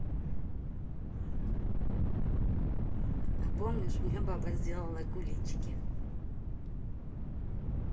а помнишь мне баба сделала кулички